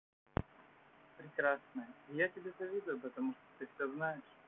прекрасная и я тебе завидую потому что ты все знаешь